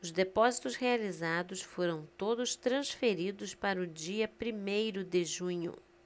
os depósitos realizados foram todos transferidos para o dia primeiro de junho